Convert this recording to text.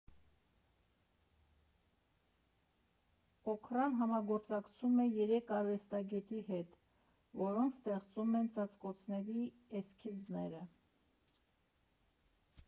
«Օքրան» համագործակցում է երեք արվեստագետի հետ, որոնք ստեղծում են ծածկոցների էսքիզները։